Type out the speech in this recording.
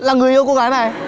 là người yêu cô gái này